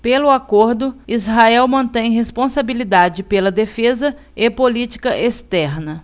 pelo acordo israel mantém responsabilidade pela defesa e política externa